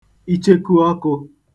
ichekuọkụ̄